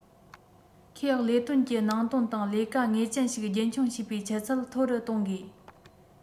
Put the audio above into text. ཁོས ལས དོན གྱི ནང དོན དང ལས ཀ ངེས ཅན ཞིག རྒྱུན འཁྱོངས བྱེད པའི ཆུ ཚད མཐོ རུ གཏོང དགོས